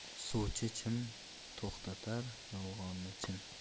suvni chim to'xtatar yolg'onni chin